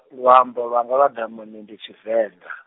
luambo lwanga lwa ḓamuni ndi Tshivenḓa.